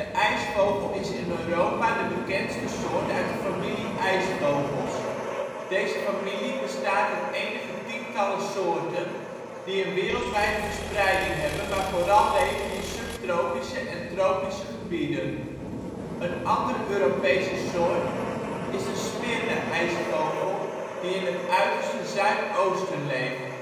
ijsvogel is in Europa de bekendste soort uit de familie ijsvogels (Alcedinidae). Deze familie bestaat uit enige tientallen soorten die een wereldwijde verspreiding hebben maar vooral leven in subtropische en tropische gebieden. Een andere Europese soort is de Smyrna-ijsvogel die in het uiterste zuidoosten leeft